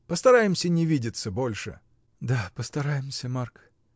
Постараемся не видаться больше. — Да, постараемся, Марк!